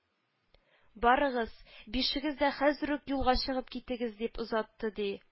«барыгыз, бишегез дә хәзер үк юлга чыгып китегез!» — дип озатты, ди